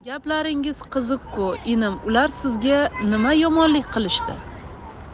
gaplaringiz qiziq ku inim ular sizga nima yomonlik qilishdi